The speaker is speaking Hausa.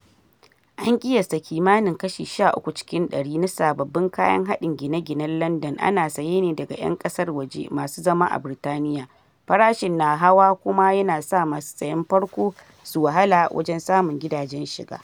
An kiyasta kimanin kashi 13 cikin dari na sababbin kayan haɗin gine-ginen London ana saye ne daga ‘yan kasar waje masu zama a Britaniya, farashin na hawa kuma yana sa masu sayen farko su wahala wajen samun gidajen shiga.